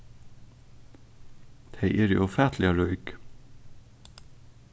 tey eru ófatiliga rík